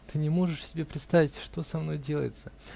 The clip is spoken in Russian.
ты не можешь себе представить, что со мной делается.